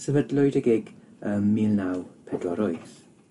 Sefydlwyd y GIG ym mil naw pedwar wyth